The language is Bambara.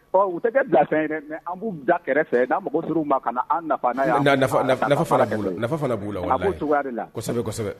U kɛrɛfɛ b'